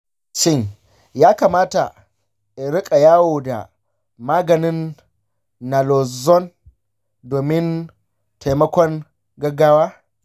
shin ya kamata in riƙa yawo da maganin naloxone domin taimakon gaggawa?